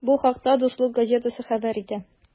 Бу хакта “Дуслык” газетасы хәбәр итә.